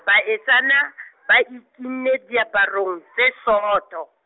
baetsana , ba ikinne diaparong tse sootho.